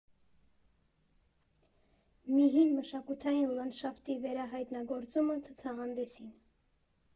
Մի հին մշակութային լանդշաֆտի վերահայտնագործումը» ցուցահանդեսին։